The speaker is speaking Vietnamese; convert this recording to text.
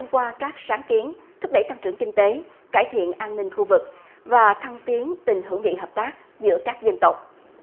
thông qua các sáng kiến thúc đẩy tăng trưởng kinh tế cải thiện an ninh khu vực và thăng tiến tình hữu nghị hợp tác giữa các dân tộc